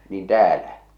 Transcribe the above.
niin täällä